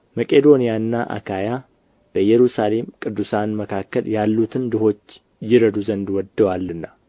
መቄዶንያና አካይያ በኢየሩሳሌም ቅዱሳን መካከል ያሉትን ድሆች ይረዱ ዘንድ ወደዋልና